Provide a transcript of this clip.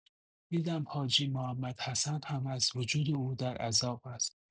دیدم حاجی محمدحسن هم از وجود او در عذاب است.